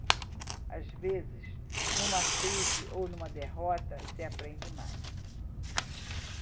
às vezes numa crise ou numa derrota se aprende mais